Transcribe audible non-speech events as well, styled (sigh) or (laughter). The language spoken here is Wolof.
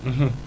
(hesitation) (hesitation)